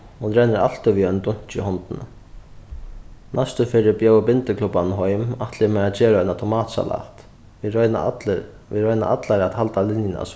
hon rennur altíð við einum dunki í hondini næstu ferð eg bjóði bindiklubbanum heim ætli eg mær at gera eina tomatsalat vit royna allir vit royna allar at halda linjuna